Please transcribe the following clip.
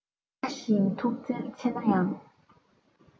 དཔའ ཞིང མཐུ རྩལ ཆེ ན ཡང